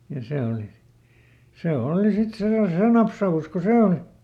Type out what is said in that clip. ja se oli se oli sitten se ja se napsaus kun se oli